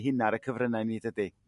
huna ar y cyfryna' i ni dydi?